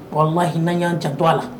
Walima hinɛ'an jan to a la